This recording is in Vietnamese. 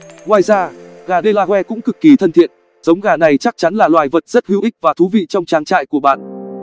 ngoài ra gà delaware cũng cực kỳ thân thiện giống gà này chắc chắn là loài vật rất hữu ích và thú vị trong trang trại của bạn